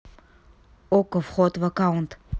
окко вход в аккаунт